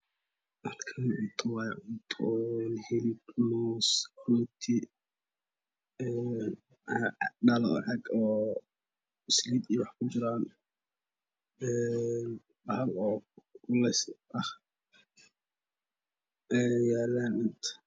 Haalkaan cunto waaye cunto oo hilib moos iyo rooti iyo dhalo oo caag oo saliid iyo wax kujiraan een bahal oo kulu leyso ee yaalan inta